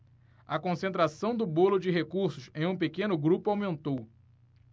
a concentração do bolo de recursos em um pequeno grupo aumentou